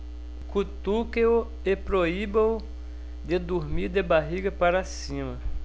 cutuque-o e proíba-o de dormir de barriga para cima